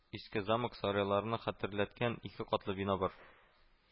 Иске замок-сарайларны хәтерләткән ике катлы бина бар